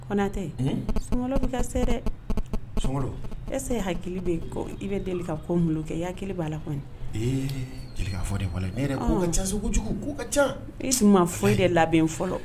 Kɔnatɛ sunkalo bɛ ka se dɛ sunkalo est ce que hakili bɛ kɔ i bɛ deli ka ko minnu kɛ i hakili b'o la kɔni ee Jelika a fɔ dɛ walahi ne yɛrɛ kow ka ca kojugu kow ka ca i dun man foyi de labɛn fɔlɔ.